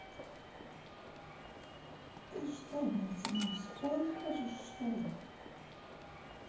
ты что блядь со мной спорить хочешь что ли